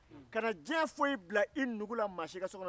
kana diɲɛ foyi vila i nugu la maa si ka so kɔnɔ